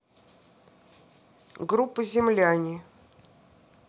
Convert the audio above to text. группа земляне